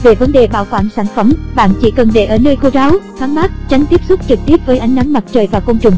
về vấn đề bảo quản sản phẩm bạn chỉ cần để ở nơi khô ráo thoáng mát tránh tiếp xúc trực tiếp với ánh nắng mặt trời và côn trùng